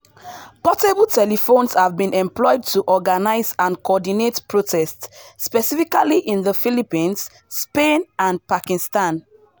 Portable telephones have been employed to organize and coordinate protests – specifically in the Philippines, Spain and Pakistan.